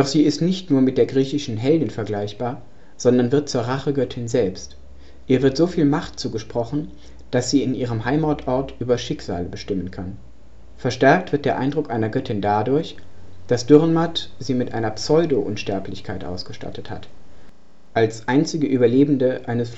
sie ist nicht nur mit der griechischen Heldin vergleichbar, sondern wird zur Rachegöttin selbst. Ihr wird so viel Macht zugesprochen, dass sie in ihrem Heimatort über Schicksale bestimmen kann. Verstärkt wird der Eindruck einer Göttin dadurch, dass Dürrenmatt sie mit einer Pseudo-Unsterblichkeit ausgestattet hat: Als einzige Überlebende eines